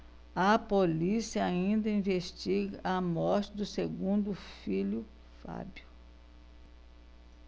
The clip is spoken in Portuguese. a polícia ainda investiga a morte do segundo filho fábio